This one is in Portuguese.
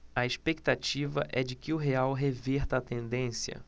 a expectativa é de que o real reverta a tendência